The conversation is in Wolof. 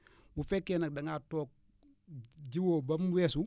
bu fekkee nag da ngaa toog jiwoo ba mu weesu